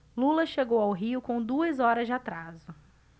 lula chegou ao rio com duas horas de atraso